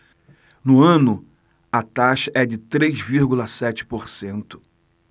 no ano a taxa é de três vírgula sete por cento